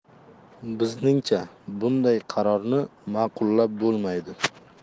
bizningcha bunday qarorni ma'qullab bo'lmaydi